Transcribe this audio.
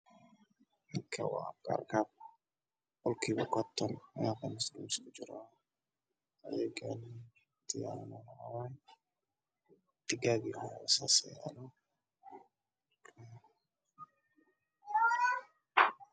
Tashan waa ku sawiran qoraal ka iyo taleefan wax ku suurayn waa cagaar